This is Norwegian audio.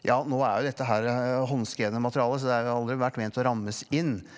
ja nå er jo dette her håndskrevne materialer så det er jo aldri vært ment å rammes inn.